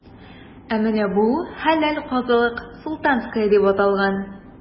Ә менә бу – хәләл казылык,“Султанская” дип аталган.